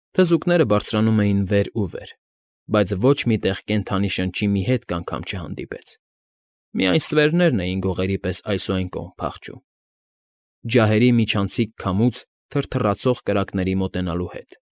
Թզուկները բարձարանում էին վեր ու վեր, բայց ոչ մի տեղ կենդանի շնչի մի հետք անգամ չհանդիպեցին, միայն ստվերներ էին գողերի պես այս ու այն կողմ փախչում՝ ջահերի միջանցիկ քամուց թրթռացող կրակների մոտենալու հետ։